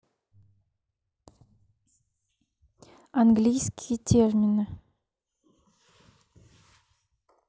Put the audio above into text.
английские термины